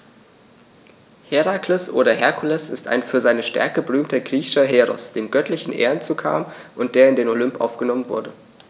Herakles oder Herkules ist ein für seine Stärke berühmter griechischer Heros, dem göttliche Ehren zukamen und der in den Olymp aufgenommen wurde.